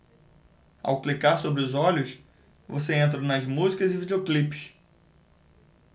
ao clicar sobre os olhos você entra nas músicas e videoclipes